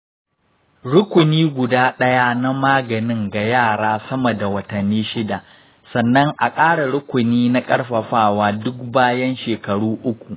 rukuni guda ɗaya na maganin ga yara sama da watanni shida, sannan a ƙara rukuni na ƙarfafawa duk bayan shekaru uku.